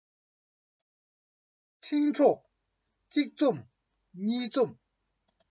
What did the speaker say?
འཕྲིན གྲོགས གཅིག འཛོམས གཉིས འཛོམས